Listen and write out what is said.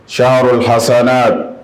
Haro hasaana